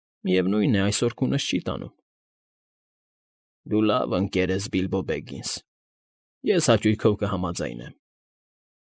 Միևնույն է, այսօր քունս չի տանում։ ֊ Դու լավ ընկեր ես, Բիլբո Բեգինս, ես հաճույքով կհամաձայնեմ։